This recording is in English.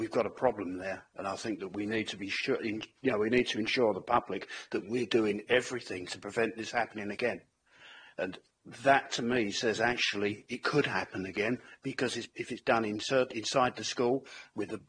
we've got a problem there and I think that we need to be sure inc- you know we need to ensure the public that we're doing everything to prevent this happening again and that to me says actually it could happen again because it's if it's done insir- inside the school with the